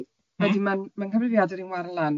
Wedyn ma'n ma'n nghyfrifiadur i'n wara lan